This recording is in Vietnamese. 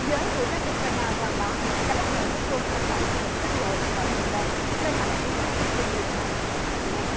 giới hữu trách u cờ rai na loan báo đã bắt đầu rút quân ra khỏi khu vực trái đồn ở miền đông nơi họ đã chiến đấu với quân ly khai thân nga